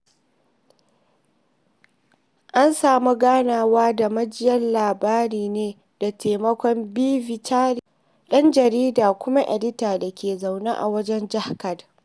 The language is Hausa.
An samu ganawa da majiyar labarin ne da taimakon B. vijay Murty, ɗan jarida kuma edita da ke zaune a wajen Jharkhand.